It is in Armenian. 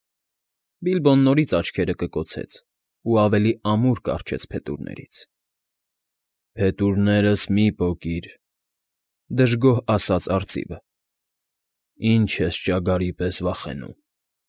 Բիլբոն նորից աչքերը կկոցեց ու ավելի ամուր կառչեց փետուրներից։ ֊ Փետուրներս մի՛ պոկիր,֊ դժգոհ ասաց արծիվը։֊ Ի՞նչ ես ճագարի պես վախենում։